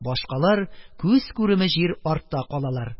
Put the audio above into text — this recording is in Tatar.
Башкалар күз күреме җир артта калалар.